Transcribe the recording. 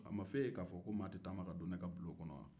a ma fɔ e ye ko maa tɛ taama ka don ne ka bulon kɔnɔ wa